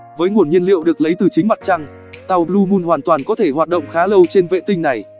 với nguồn nhiên liệu được lấy từ chính mặt trăng tàu blue moon hoàn toàn có thể hoạt động khá lâu trên vệ tinh này